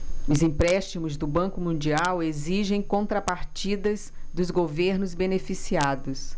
os empréstimos do banco mundial exigem contrapartidas dos governos beneficiados